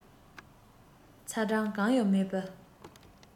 ཚ གྲང གང ཡང མེད པའི